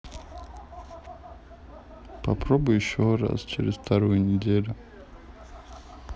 попробуй еще раз через вторую неделю